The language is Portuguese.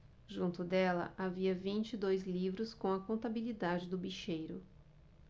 junto dela havia vinte e dois livros com a contabilidade do bicheiro